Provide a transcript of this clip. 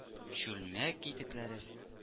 Чүлмәк китекләре